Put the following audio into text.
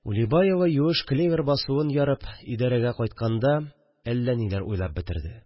Улибаева юеш клевер басуын ярып идәрәгә кайтканда әллә ниләр уйлап бетерде